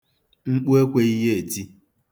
Mkpu ekweghị ya eti.